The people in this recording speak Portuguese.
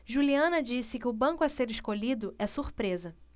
juliana disse que o banco a ser escolhido é surpresa